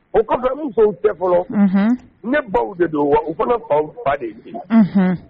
O ka musow musow tɛ fɔlɔ ne baw de don wa u kɔnɔ baw fa de jigin